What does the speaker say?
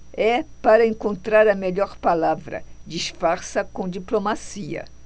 é para encontrar a melhor palavra disfarça com diplomacia